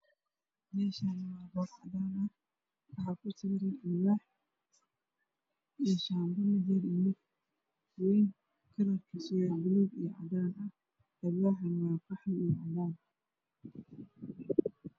Meeshaani waa boor cagaar ku sawiran alwaax kalarkisa guduud iyo cadaan alwaaxna guduud iyo cagaar